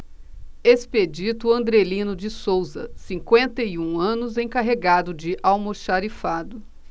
expedito andrelino de souza cinquenta e um anos encarregado de almoxarifado